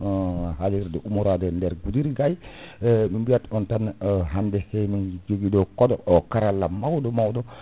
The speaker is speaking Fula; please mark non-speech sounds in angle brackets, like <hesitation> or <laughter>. <hesitation> <hesitation> haalirde ummorade e nder Goudira Gari <hesitation> min biyat on tan <hesitation> hande emin joogui ɗo kooɗo ko karalla mawɗo mawvɗo <breath>